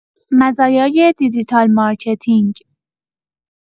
مزایای دیجیتال مارکتینگ